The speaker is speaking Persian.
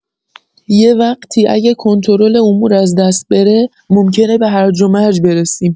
یه وقتی اگه کنترل امور از دست بره، ممکنه به هرج‌ومرج برسیم.